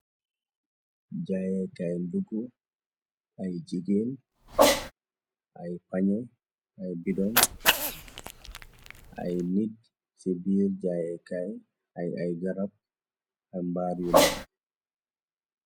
Jaayeekaay ndugg ay jigéen ay pañye ay bidoon ay nij ci biir jaayekaay aay garab ay mbaar yu ndaw.